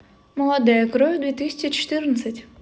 молодая кровь две тысячи четырнадцать